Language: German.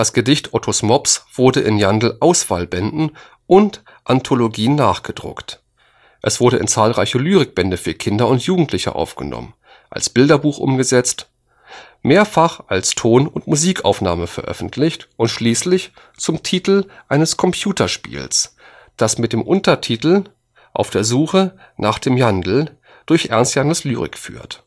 Gedicht ottos mops wurde in Jandl-Auswahlbänden und Anthologien nachgedruckt. Es wurde in zahlreiche Lyrikbände für Kinder und Jugendliche aufgenommen, als Bilderbuch umgesetzt, mehrfach als Ton - und Musikaufnahme veröffentlicht und schließlich zum Titel eines Computerspiels, das mit dem Untertitel Auf der Suche nach dem Jandl durch Ernst Jandls Lyrik führt